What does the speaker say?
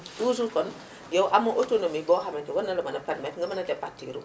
toujours kon yow amoo autonomie boo xamante ne war na la mën a permettre nga mën a départir